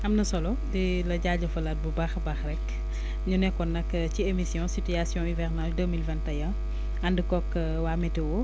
am na solo di la jaajëfalaat bu baax a baax rek ñu nekkoon nag ci émission situation hivernage deux mille vingt et un ànd koog waa météo